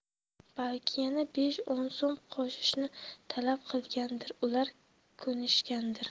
balki yana besh o'n so'm qo'shishni talab qilgandir ular ko'nishgandir